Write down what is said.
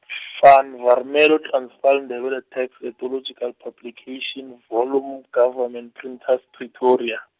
Van Warmelo Transvaal Ndebele text Ethnological Publication volum- Government Printers Pretoria.